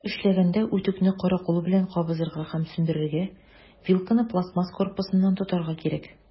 Эшләгәндә, үтүкне коры кул белән кабызырга һәм сүндерергә, вилканы пластмасс корпусыннан тотарга кирәк.